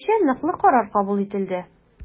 Ә кичә ныклы карар кабул ителде.